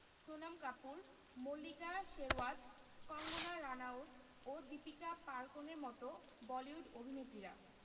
সোনম কাপুর মল্লিকা শেরওয়াত কঙ্গনা রানাউত ও দীপিকা পাড়–কোনের মতো বলিউড অভিনেত্রীরা